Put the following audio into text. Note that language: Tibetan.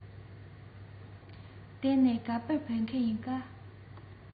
དེ ནས ག པར ཕེབས མཁན ཡིན པྰ